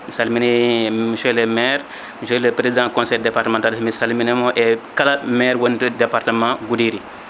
mi salmini monsieur le maire monsieur le président conseil départemental mi salminamo e kala maire wonɗo département Goudiry